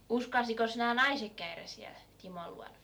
uskalsikos nämä naiset käydä siellä Timon luona